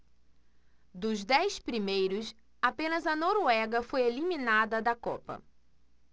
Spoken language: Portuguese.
dos dez primeiros apenas a noruega foi eliminada da copa